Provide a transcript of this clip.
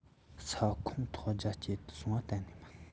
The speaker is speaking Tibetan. ས ཁོངས ཐོག རྒྱ སྐྱེད དུ སོང བ གཏན ནས མིན